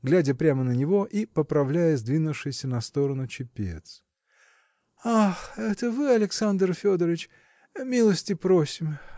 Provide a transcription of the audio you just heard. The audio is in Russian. глядя прямо на него и поправляя сдвинувшийся на сторону чепец. – Ах! это вы, Александр Федорыч? Милости просим!